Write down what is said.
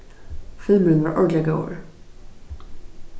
filmurin var ordiliga góður